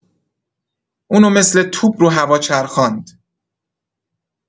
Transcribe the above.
اونو مثل توپ رو هوا چرخاند